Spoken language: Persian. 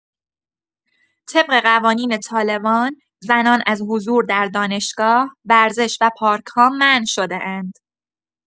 طبق قوانین طالبان، زنان از حضور در دانشگاه، ورزش و پارک‌ها منع شده‌اند.